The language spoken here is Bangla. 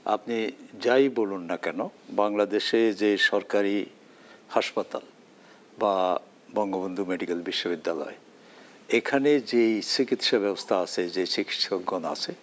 আপনি যাই বলুন না কেন বাংলাদেশে যে সরকারি হাসপাতাল বা বঙ্গবন্ধু মেডিকেল বিশ্ববিদ্যালয় এখানে যে চিকিৎসা ব্যবস্থা আছে যে চিকিৎসকগণ আছে